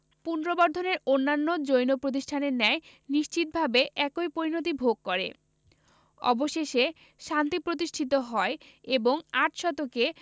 পুন্ড্রবর্ধনের অন্যান্য জৈন প্রতিষ্ঠানের ন্যায় নিশ্চতভাবে একই পরিণতি ভোগ করে অবশেষে শান্তি প্রতিষ্ঠিত হয় এবং আট শতকে